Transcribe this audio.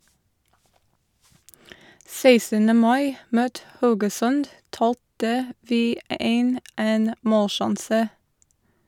16. mai mot Haugesund talte vi 1 - én - målsjanse.